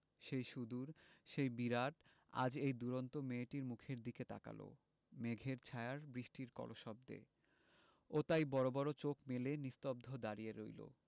সেই সুদূর সেই বিরাট আজ এই দুরন্ত মেয়েটির মুখের দিকে তাকাল মেঘের ছায়ায় বৃষ্টির কলশব্দে ও তাই বড় বড় চোখ মেলে নিস্তব্ধ দাঁড়িয়ে রইল